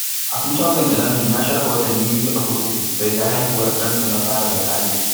a 2011, ya shafe watanni biyu a kurkuku, bai ga haihuwar ɗansa na fari ba, Khaled.